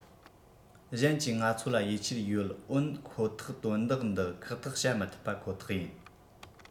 གཞན གྱིས ང ཚོ ལ ཡིད ཆེས ཡོད འོན ཁོ ཐག དོན དག འདི ཁག ཐེག བྱ མི ཐུབ པ ཁོ ཐག ཡིན